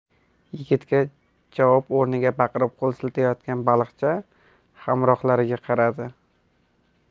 yigitga javob o'rnida baqirib qo'l siltayotgan baliqchi hamrohlariga qaradi